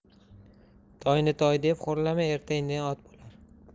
toyni toy deb xo'rlama erta indin ot bo'lar